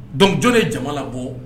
Donc jɔnni ye jamana labɔ?